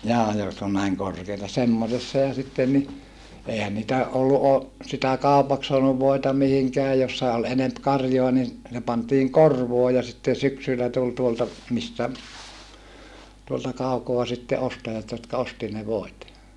jaa jotka on näin korkeita semmoisessa ja sitten niin eihän niitä ollut - sitä kaupaksi saanut voita mihinkään jossa oli enempi karjaa niin se pantiin korvoon ja sitten syksyllä tuli tuolta mistä tuolta kaukaa sitten ostajat jotka osti ne voit